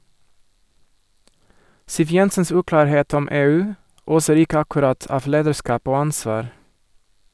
Siv Jensens uklarhet om EU oser ikke akkurat av lederskap og ansvar.